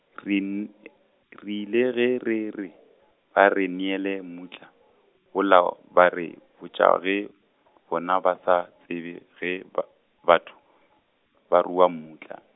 ren- , re ile ge re re, ba re neele mmutla, wola ba re botša ge, bona ba sa tsebe ge ba batho, ba rua mmutla.